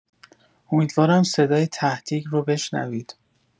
امیدوارم صدای ته‌دیگ رو بشنوید!